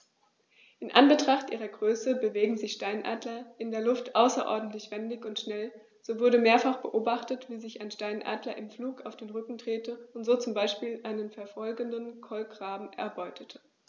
In Anbetracht ihrer Größe bewegen sich Steinadler in der Luft außerordentlich wendig und schnell, so wurde mehrfach beobachtet, wie sich ein Steinadler im Flug auf den Rücken drehte und so zum Beispiel einen verfolgenden Kolkraben erbeutete.